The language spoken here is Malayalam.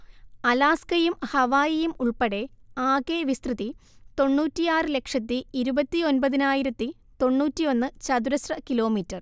അലാസ്കയും ഹവായിയും ഉൾപ്പെടേ ആകെ വിസ്തൃതി തൊണ്ണൂറ്റിയാറ് ലക്ഷത്തിയിരുപത്തിയൊമ്പത്തിയായിരത്തി തൊണ്ണൂറ്റിയൊന്ന്ചതുരശ്ര കിലോമീറ്റർ